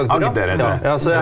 Agder er det vel.